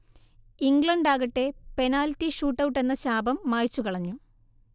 ഇംഗ്ലണ്ടാകട്ടെ penalty ഷൂട്ടൗട്ടെന്ന ശാപം മായ്ച്ചു കളഞ്ഞു